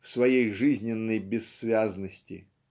в своей жизненной бессвязности.